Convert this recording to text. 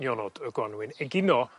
nionod y gwanwyn egino